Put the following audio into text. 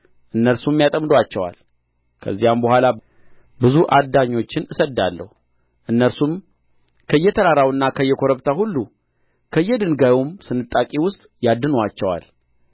እነርሱም ያጠምዱአቸዋል ከዚያም በኋላ ብዙ አዳኞችን እሰድዳለሁ እነርሱም ከየተራራውና ከየኮረብታው ሁሉ ከየድንጋዩም ስንጣቂ ውስጥ ያድኑአቸዋል